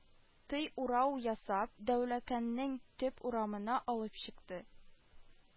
Тый урау ясап, дәүләкәннең төп урамына алып чыкты